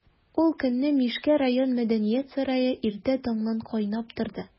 Ул көнне Мишкә район мәдәният сарае иртә таңнан кайнап торды.